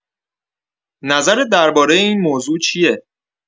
نظرت درباره این موضوع چیه؟